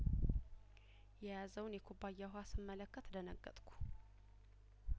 የያዘውን የኩባያ ውሀ ስመለከት ደነገጥኩ